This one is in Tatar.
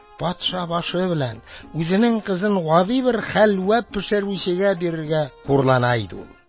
Патша башы белән үзенең кызын гади бер хәлвә пешерүчегә бирергә хурлана иде ул.